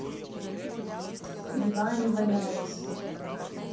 на диване валяюсь